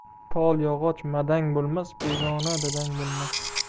tol yog'och madang bo'lmas begona dadang bo'lmas